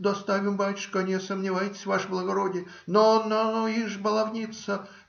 - Доставим, батюшка, не сомневайтесь, ваше благородие. Но, но!. Ишь, баловница!